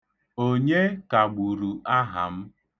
Onye kagburu aha m?